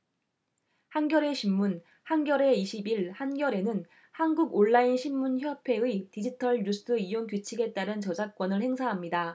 한겨레신문 한겨레 이십 일 한겨레는 한국온라인신문협회의 디지털뉴스이용규칙에 따른 저작권을 행사합니다